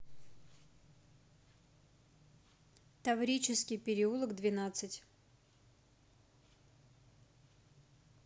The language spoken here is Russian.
таврический переулок двенадцать